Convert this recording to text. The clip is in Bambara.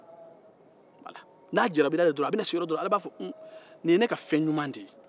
n'a jarabira a la a yɛrɛ b'a fɔ hun nin ye ne ka fɛn ɲuman de ye